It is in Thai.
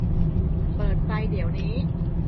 เปิดไฟเดี๋ยวนี้